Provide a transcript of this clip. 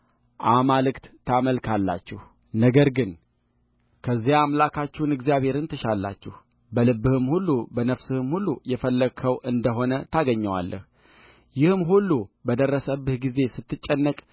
አማልክት ታመልካላችሁነገር ግን ከዚያ አምላካችሁን እግዚአብሔርን ትሻላችሁ በልብህም ሁሉ በነፍስህም ሁሉ የፈለግኸው እንደ ሆነ ታገኘዋለህይህም ሁሉ በደረሰብህ ጊዜ ስትጨንቅ